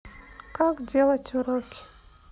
как делать уроки